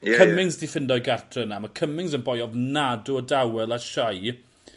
Cummings 'di ffindo'i gatre 'na ma' Cummings yn boi ofnadw o dawel a shy.